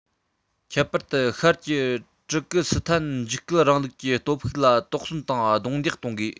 ཁྱད པར དུ ཤར གྱི དྲུ གུ སི ཐན འཇིགས སྐུལ རིང ལུགས ཀྱི སྟོབས ཤུགས ལ དོགས ཟོན དང རྡུང རྡེག གཏོང དགོས